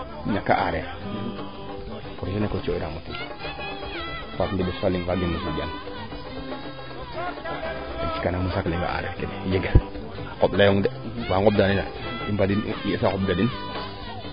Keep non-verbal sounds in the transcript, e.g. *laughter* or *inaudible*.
ñaka areer *unintelligible* baab ndeɓes faa gena mbimbaan a jika naam saak leŋa areer a qomb leyong de waa ngomb daana neena i mbadiid im eeto xobda den